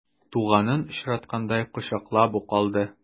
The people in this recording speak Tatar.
Туганын очраткандай кочаклап ук алды.